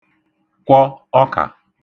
kwọ ọkà